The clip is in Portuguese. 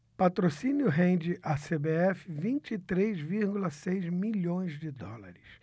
patrocínio rende à cbf vinte e três vírgula seis milhões de dólares